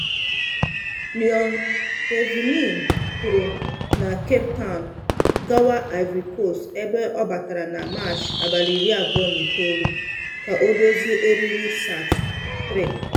Leon Thevenin pụrụ na Cape Town gawa Ivory Coast ebe ọ batara na Maachị 29 ka o dozie eriri SAT-3.